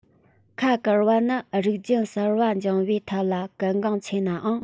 ཁ བཀར བ ནི རིགས རྒྱུད གསར པ འབྱུང བའི ཐད ལ གལ འགངས ཆེ ནའང